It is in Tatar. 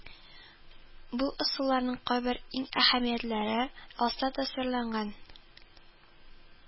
Бу ысулларның кайбер иң әһәмиятләре аста тасвирланган